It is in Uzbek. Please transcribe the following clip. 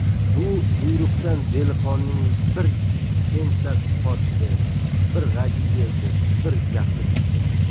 bu buyruqdan zelixonning bir ensasi qotdi bir g'ashi keldi bir jahli chiqdi